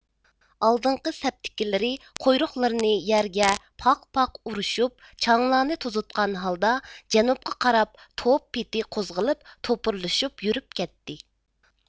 ئالدىنقى سەپتىكىلىرى قۇيرۇقلىرىنى يەرگە پاق پاق ئۇرۇشۇپ چاڭلارنى توزۇتقان ھالدا جەنۇبقا قاراپ توپ پېتى قوزغىلىپ توپۇرلىشىپ يۈرۈپ كەتتى